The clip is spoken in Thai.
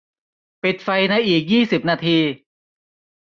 ปิดไฟในอีกยี่สิบนาที